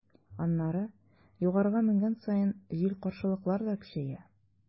Аннары, югарыга менгән саен, җил-каршылыклар да көчәя.